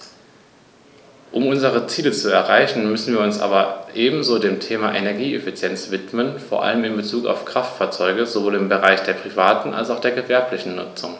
Um unsere Ziele zu erreichen, müssen wir uns aber ebenso dem Thema Energieeffizienz widmen, vor allem in Bezug auf Kraftfahrzeuge - sowohl im Bereich der privaten als auch der gewerblichen Nutzung.